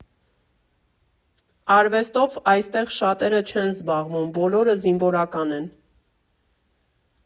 Արվեստով այստեղ շատ չեն զբաղվում, բոլորը զինվորական են։